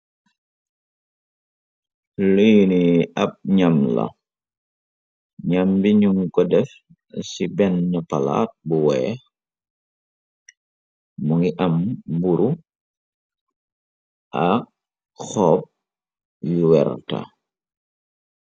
Liini ab ñam la ñam bi ñu ko def ci benn palaat bu weex mu ngi am mguru ak xoop yu werta.